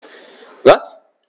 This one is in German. Was?